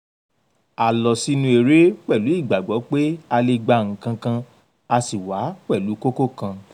"A lọ sínú eré pẹ̀lú ìgbàgbọ́ pé a lè gba nnkankan a sì wà pẹ̀lú kókó kan.